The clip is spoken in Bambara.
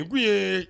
I ko ye